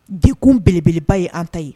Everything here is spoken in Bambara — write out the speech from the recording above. Di kun belebeleba ye an ta ye